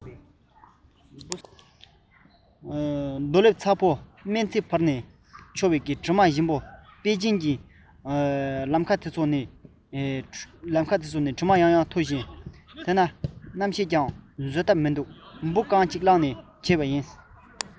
རྡོ ལེབ ཚ བོ སྨན རྩྭའི བར ནས འཕྱོ བའི དྲི མ ཞིམ པོ པེ ཅིན གྱི ས སྲོས སུ སྲང ལམ གཡས གཡོན དུ ཕོ བས འབུ ཟ འདོད ཀྱི སྐད ཡང ཡང རྒྱག རྣམ ཤེས ཀྱིས ཀྱང བཟོད ཐབས མི འདུག འབུ རྐང གཅིག བླངས ནས འཆའ